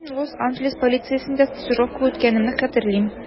Мин Лос-Анджелес полициясендә стажировка үткәнемне хәтерлим.